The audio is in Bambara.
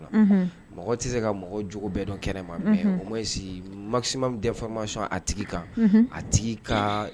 Mama sɔn ka